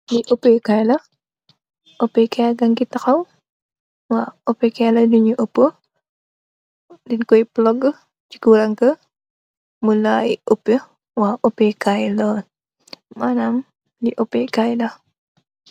Li opeh kai la opeh kai gagi taxaw waw opeh kai la nitt yi opoo deng koi plug si kuraa ga moi laay opeh waw opeh kai la manam li opeh kai la.